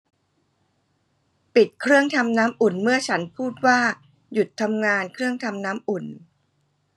ปิดเครื่องทำน้ำอุ่นเมื่อฉันพูดว่าหยุดทำงานเครื่องทำน้ำอุ่น